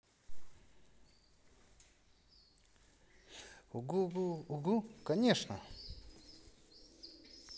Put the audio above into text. угу угу угу конечно